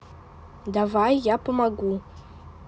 давай я помогу